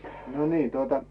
no niin tuota